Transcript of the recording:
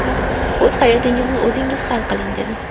o'z hayotingizni o'zingiz hal qiling dedim